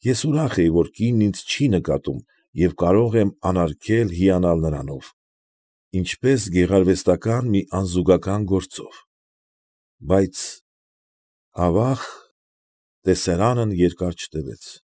Ես ուրախ էի, որ կինն ինձ չի նկատում և կարող եմ անարգել հիանալ նրանով, ինչպես գեղարվեստական մի անզուգական գործով, բայց, ավաղ, տեսարանն երկար չտևեց։